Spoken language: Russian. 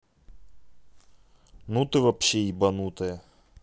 ну ты вообще ебанутая